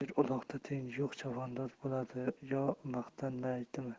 eri uloqda tengi yo'q chavandoz bo'ladi yu maqtanmaydimi